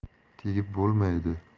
tegib bo'lmaydi